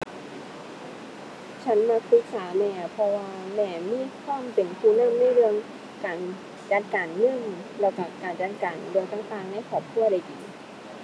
ฉันมักปรึกษาแม่ เพราะว่าแม่มีความเป็นผู้นำในเรื่องการจัดการเงิน แล้วก็การจัดการเรื่องต่างต่างในครอบครัวได้ดี